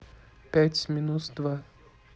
пять минус два